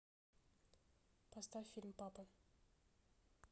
поставь фильм папа